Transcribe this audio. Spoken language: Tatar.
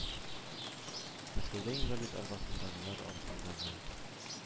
Мәскәүдә инвалид арбасындагылар арасындагы